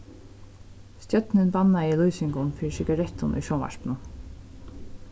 stjórnin bannaði lýsingum fyri sigarettum í sjónvarpinum